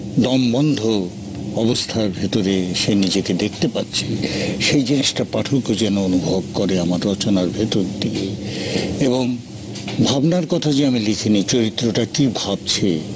দমবন্ধ অবস্থার ভেতরে সে নিজেকে দেখতে পাচ্ছে সেই জিনিসটা পাঠক যেন অনুভব করে আমার রচনা ভেতর দিয়ে এবং ভাবনার কথা যে আমি লিখিনি চরিত্রটা কি ভাবছে